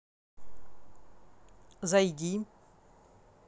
зайди